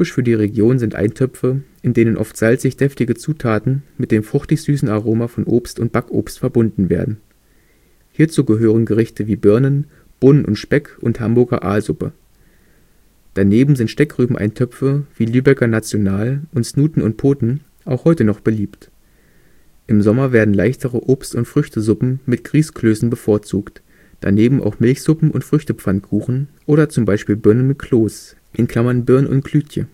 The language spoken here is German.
für die Region sind Eintöpfe, in denen oft salzig-deftige Zutaten mit dem fruchtig-süßen Aroma von Obst und Backobst verbunden werden. Hierzu gehören Gerichte wie Birnen, Bohnen und Speck und Hamburger Aalsuppe. Daneben sind Steckrübeneintöpfe, wie Lübecker National, und Snuten un Poten auch heute noch beliebt. Im Sommer werden leichtere Obst - und Früchtesuppen mit Grießklößen bevorzugt, daneben auch Milchsuppen und Früchtepfannkuchen oder z. B. Birnen mit Kloß („ Birn’ un’ Klütje